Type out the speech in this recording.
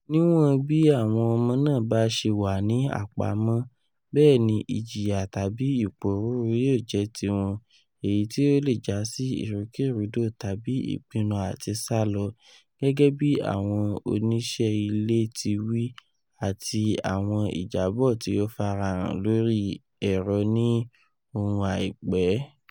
Niwọn bi awọn ọmọ naa baṣe wa ni apamọ, bẹẹ ni ijaya tabi iporuuru yoo jẹ ti wọn, eyi ti o le jasi irukerudo tabi ipinnu ati salọ, gẹgẹbi awọn oniṣẹ ile ti wi ati awọn ijabọ ti o farahan lori ẹrọ ni ou aipẹ.